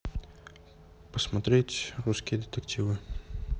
посмотреть русские детективы